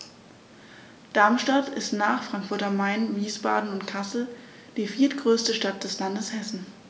Darmstadt ist nach Frankfurt am Main, Wiesbaden und Kassel die viertgrößte Stadt des Landes Hessen